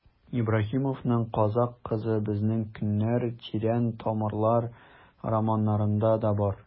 Ибраһимовның «Казакъ кызы», «Безнең көннәр», «Тирән тамырлар» романнарында да бар.